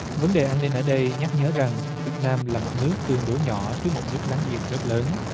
ở vấn đề an ninh ở đây nhắc nhớ rằng việt nam là một nước tương đối nhỏ trước một nước láng giềng rất lớn